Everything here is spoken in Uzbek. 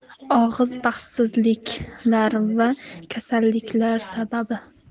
og'iz baxtsizliklar va kasalliklar sababi